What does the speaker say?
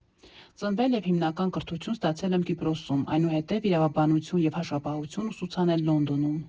Ծնվել և հիմնական կրթություն ստացել եմ Կիպրոսում, այնուհետև իրավաբանություն և հաշվապահություն ուսուցանել Լոնդոնում։